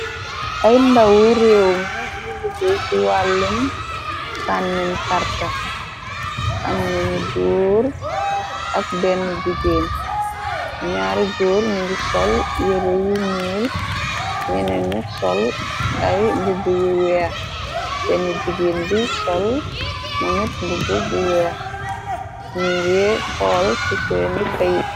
Ay ndawu réew me ni liggéy ci wàllum tànnim karta, am nañu góor ak benn bigéen, ñaari góor ningi sol yere yi muul, ñene ni sol ay mbubbu yu weex, benn bigéen bi sol mu mit mbubbu bu weex, ni ngi pool siseeni ka yib.